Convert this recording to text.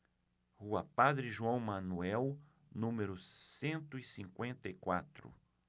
rua padre joão manuel número cento e cinquenta e quatro